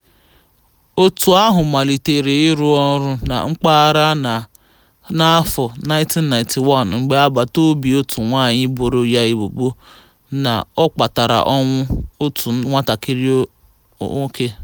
Otu ahụ malitere ịrụ ọrụ na mpaghara a na 1991 mgbe agbataobi otu nwaanyị boro ya ebubo na ọ kpatara ọnwụ otu nwatakịrị nwoke.